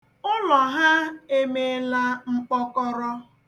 Ụlọ ha emeela mkpọkọrọ